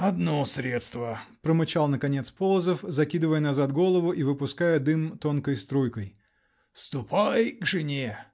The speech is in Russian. -- Одно средство, -- промычал наконец Полозов, закидывая назад голову и выпуская дым тонкой струйкой. -- Ступай к жене.